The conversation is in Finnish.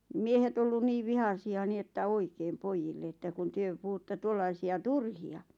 miehet ollut niin vihaisia niin että oikein pojille että kun te puhutte tuollaisia turhia